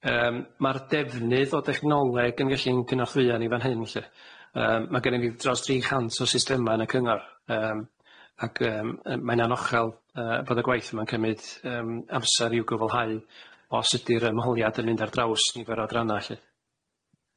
Yym ma'r defnydd o dechnoleg yn gellu'n cynorthwyo ni fan hyn lly yym ma' gynnyn ni dros dri chant o systema yn y cyngor yym ac yym yy mae'n anochel yy bod y gwaith yma'n cymyd yym amser i'w gyfylhau o sud ydi'r ymholiad yn mynd ar draws nifer o adrannau lly.